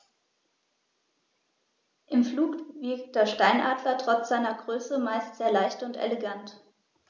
Im Flug wirkt der Steinadler trotz seiner Größe meist sehr leicht und elegant.